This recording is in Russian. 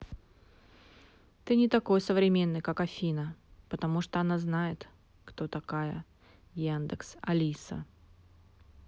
ты не такой современный как афина потому что она знает кто такая яндекс алиса